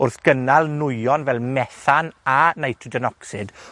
wrth gynnal nwyon fel methan a nitrogen ocsid,